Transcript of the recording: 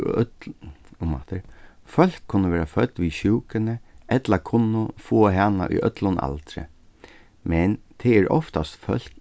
umaftur fólk kunnu vera fødd við sjúkuni ella kunnu fáa hana í øllum aldri men tað eru oftast fólk